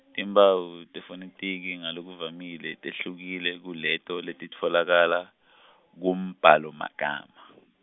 timphawu tefonethiki ngalokuvamile tehlukile kuleto letitfolakala , kumbhalomagama.